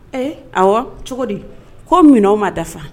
Ɛɛ ayiwa cogo di ko minɛnanw ma dafa